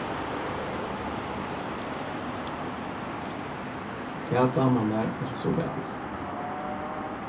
tað dámar mær altso væl